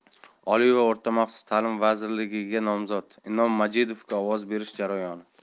oliy va o'rta maxsus ta'limi vazirligiga nomzod inom majidovga ovoz berish jarayoni